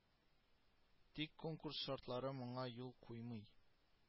Тик конкурс шартлары моңа юл куймый